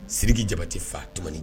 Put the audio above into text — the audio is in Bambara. Siki jaba tɛ fa tuma